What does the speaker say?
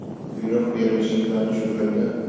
buyruq berilishi bilan chuvrindi